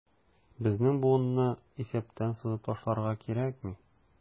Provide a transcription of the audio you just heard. Безнең буынны исәптән сызып ташларга кирәкми.